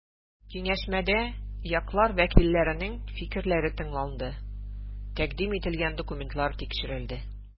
Киңәшмәдә яклар вәкилләренең фикерләре тыңланды, тәкъдим ителгән документлар тикшерелде.